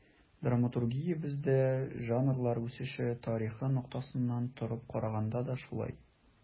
Драматургиябездә жанрлар үсеше тарихы ноктасынан торып караганда да шулай.